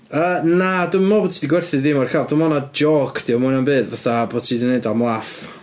Yy, na, dwi'm yn meddwl bod hi 'di gwerthu dim o'r celf. Dwi meddwl na jôc 'di o mwy 'na'm byd fatha bod hi 'di gwneud am laugh.